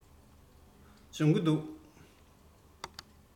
སྦྱོང གི འདུག